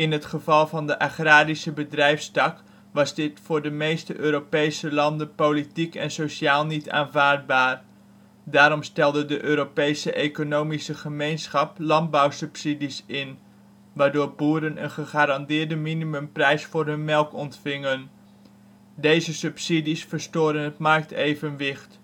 het geval van de agrarische bedrijfstak was dit voor de meeste Europese landen politiek en sociaal niet aanvaardbaar. Daarom stelde de Europese Economische Gemeenschap landbouwsubsidies in, waardoor boeren een gegarandeerde minimumprijs voor hun melk ontvingen. Deze subsidies verstoren het marktevenwicht